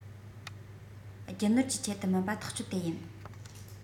རྒྱུ ནོར གྱི ཆེད དུ མིན པ ཐག གཅོད དེ ཡིན